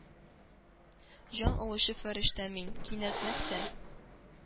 Җан алучы фәрештә мин! — Кинәт нәрсә?